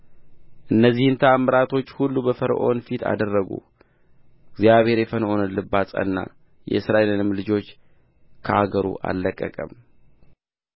እነዚህን ተአምራቶች ሁሉ በፈርዖን ፊት አደረጉ እግዚአብሔር የፈርዖንን ልብ አጸና የእስራኤልንም ልጆች ከአገሩ አልለቀቀም